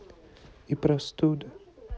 и простуды